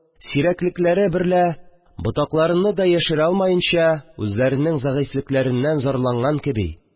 Сирәклекләре берлә ботакларыны да яшерә алмаенча, үзләренең зәгыйфьлекләреннән зарланган кеби